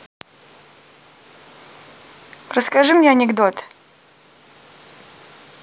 расскажи мне анекдот